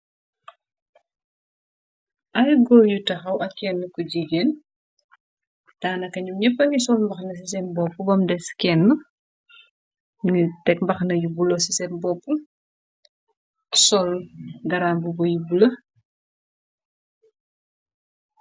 Ay góor yu taxaw ak kenna ku jigéen daana ka ñyum ñyéppa ngi sol mbaxana na ci seen bopp bam dés kenn mingi teg mbaxna yu bulo ci seen bopp sol garambu bo yi bula.